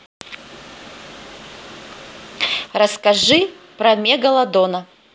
расскажи про мегалодона